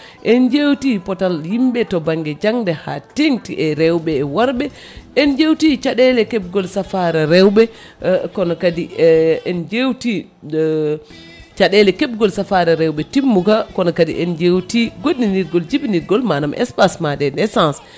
en jewti pootal yimɓe to banggue jangde ha tengti e rewɓe e worɓe en jewti caɗele kebgol safaro rewɓe kono kadi en jewti caɗele kebggol safaro rewɓe timmuka kono kadi en jewti goɗɗodirgol jibinirgol manam espacement des naissances